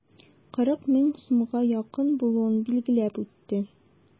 40 мең сумга якын булуын билгеләп үтте.